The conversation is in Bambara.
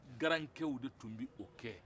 garankɛw de tun b'o kɛ